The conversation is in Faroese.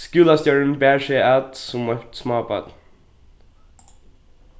skúlastjórin bar seg at sum eitt smábarn